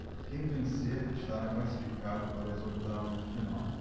quem vencer estará classificado para as oitavas de final